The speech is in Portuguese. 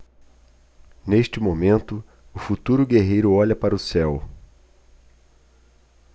neste momento o futuro guerreiro olha para o céu